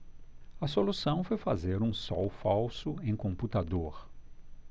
a solução foi fazer um sol falso em computador